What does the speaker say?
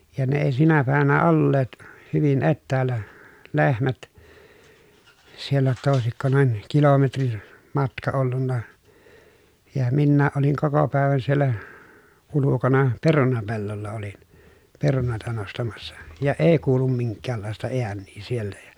ja ne ei sinä päivänä olleet hyvin etäällä lehmät siellä jotta olisiko noin kilometrin matka ollut ja minäkin olin koko päivän siellä ulkona perunapellolla olin perunoita nostamassa ja ei kuulu minkäänlaista ääniä sieltä ja